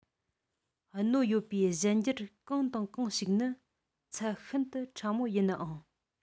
གནོད ཡོད པའི གཞན འགྱུར གང དང གང ཞིག ནི ཚད ཤིན ཏུ ཕྲ མོ ཡིན ནའང